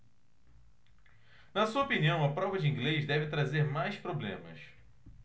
na sua opinião a prova de inglês deve trazer mais problemas